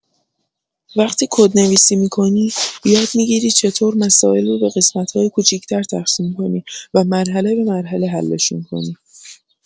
وقتی کدنویسی می‌کنی، یاد می‌گیری چطور مسائل رو به قسمت‌های کوچیک‌تر تقسیم کنی و مرحله‌به‌مرحله حلشون کنی.